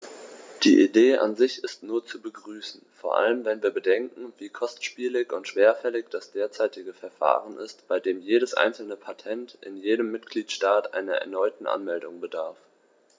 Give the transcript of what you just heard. Die Idee an sich ist nur zu begrüßen, vor allem wenn wir bedenken, wie kostspielig und schwerfällig das derzeitige Verfahren ist, bei dem jedes einzelne Patent in jedem Mitgliedstaat einer erneuten Anmeldung bedarf.